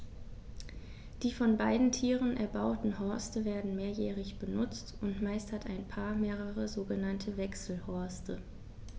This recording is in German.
Die von beiden Tieren erbauten Horste werden mehrjährig benutzt, und meist hat ein Paar mehrere sogenannte Wechselhorste.